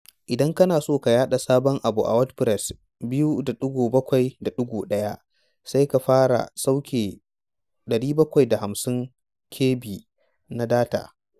Idan kana so ka yaɗa sabon abu a 'WordPress (2.7.1)' sai ka fara sauke 750kb na data.